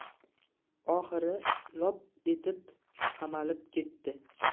oxiri lop etib qamalib ketdi